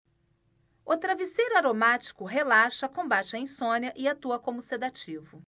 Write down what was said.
o travesseiro aromático relaxa combate a insônia e atua como sedativo